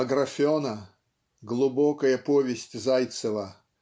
"Аграфена", глубокая повесть Зайцева,